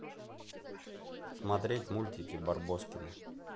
смотреть мультики барбоскины